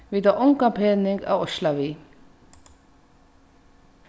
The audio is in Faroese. vit hava ongan pening at oyðsla við